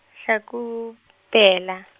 Hlakubela.